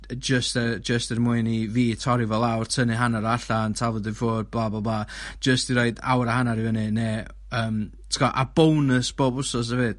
jyst yy jyst er mwyn i fi torri fo lawr, tynnu hanner o allan, taflud i ffwr', blah blah blah jyst i roid awr a hanner i fyny, neu yym t'go' a bonus bob wsos hefyd.